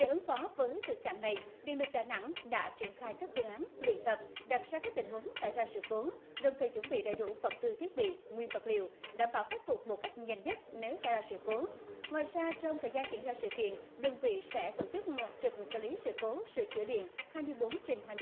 để ứng phó với thực trạng này điện lực đà nẵng đã triển khai các phương án luyện tập đặt ra các tình huống xảy ra sự cố đồng thời chuẩn bị đầy đủ vật tư thiết bị nguyên vật liệu đảm bảo khắc phục một cách nhanh nhất nếu xảy ra sự cố ngoài ra trong thời gian diễn ra sự kiện đơn vị sẽ tổ chức mặt trận xử lý sự cố sửa chữa điện hai mươi bốn trên hai